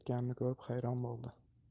ketganini ko'rib hayron bo'ldi